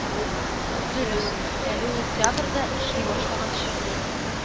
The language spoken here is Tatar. Дөрес, әле ул театрда эшли башлаганчы